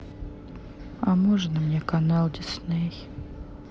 а можно мне канал дисней